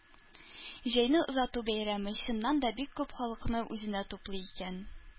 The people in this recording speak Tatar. Җәйне озату бәйрәме, чыннан да, бик күп халыкны үзенә туплый икән.